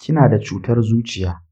kina da cutar zuciya